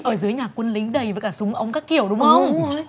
ở dưới nhà quân lính đầy với cả súng ống các kiểu đúng hông